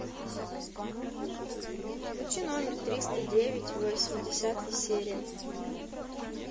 включи номер триста девять восемнадцатая серия